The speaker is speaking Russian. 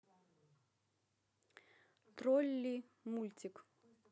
тролли мультик